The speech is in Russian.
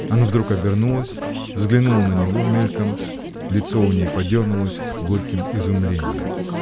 Она вдруг обернулась, взглянула на него мельком, лицо у ней подернулось горьким изумлением.